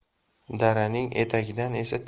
daraning etagidan esa